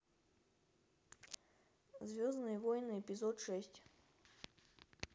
звездные войны эпизод шесть